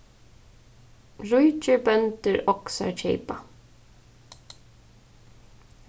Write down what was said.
ríkir bøndur oksar keypa